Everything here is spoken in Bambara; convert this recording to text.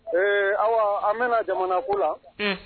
Ee aw an bɛna jamanako la